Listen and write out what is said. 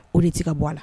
O de t'i ka bɔ a la